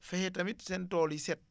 fexe tamit seen tool yi set